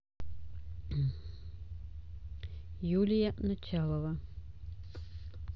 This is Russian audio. юлия началова